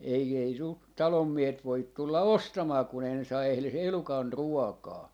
ei ei sinulta talonmiehet voi tulla ostamaan kun ei ne saa edes elukan ruokaa